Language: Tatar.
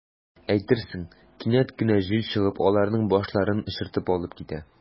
Әйтерсең, кинәт кенә җил чыгып, аларның “башларын” очыртып алып китә.